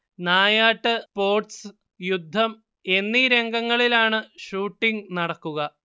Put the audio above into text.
നായാട്ട്, sports, യുദ്ധം എന്നീ രംഗങ്ങളിലാണ് ഷൂട്ടിംഗ് നടക്കുക